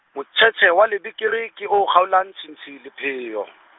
motshetshe wa lebekere ke o kgaolang tshintshi lepheyo.